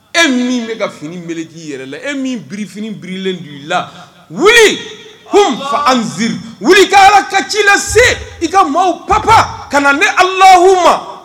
E min ne ka finiele ji yɛrɛ la e min bif bilen don i la ko fa an ka ala ka ci i lase se i ka maaw pap ka na bɛ ala lahu ma